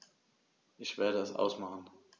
Ich werde es ausmachen